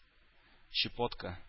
Щепотка